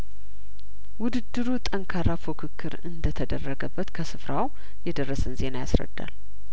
ውድድሩ ጠንካራ ፉክክር እንደተደረገበት ከስፍራው የደረሰን ዜና ያስረዳል